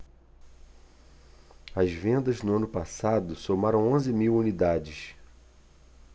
as vendas no ano passado somaram onze mil unidades